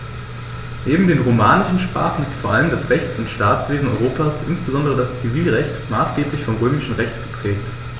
Neben den romanischen Sprachen ist vor allem das Rechts- und Staatswesen Europas, insbesondere das Zivilrecht, maßgeblich vom Römischen Recht geprägt.